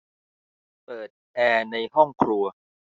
เปิดแอร์ในห้องครัว